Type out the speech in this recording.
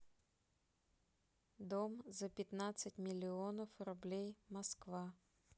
дом за пятнадцать миллионов рублей москва